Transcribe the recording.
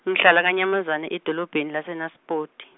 ngihlala Kanyamazane, edolobheni laseNaspoti.